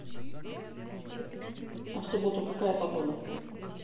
а в субботу какая погода